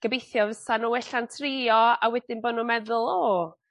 gobeithio fysa n'w ella'n trio a wedyn bo' nw'n meddwl o